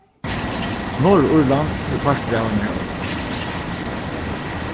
norðurírland er partur av einari oyggj